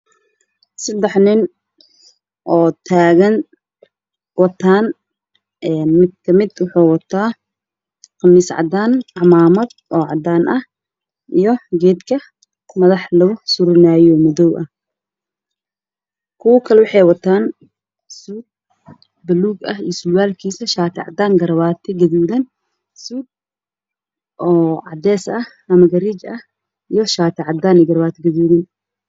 Waa sedax nin oo meel taagan